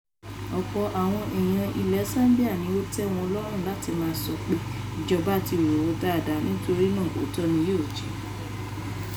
Ọ̀pọ̀ àwọn èèyàn ilẹ̀ Zambia ni ó ti tẹ́ wọn lọ́rùn láti máa sọ pé, " ìjọba ti rò ó dáadáa, torí náà òótọ́ ni yóò jẹ́.